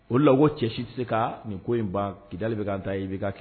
O la ko cɛ si tɛ se ka nin ko in ban k'da bɛ ka kan ta i bɛ ka kɛ